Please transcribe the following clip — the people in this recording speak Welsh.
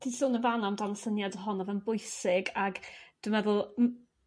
Ti'n sôn yn fan 'na am dan syniad ohono fo'n bwysig ag dwi meddwl m-